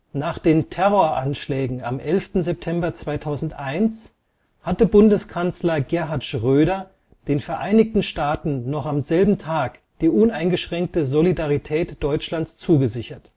Nach den Terroranschlägen am 11. September 2001 hatte Bundeskanzler Gerhard Schröder den Vereinigten Staaten noch am selben Tag die uneingeschränkte Solidarität Deutschlands zugesichert